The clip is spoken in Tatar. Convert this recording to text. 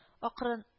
Акрын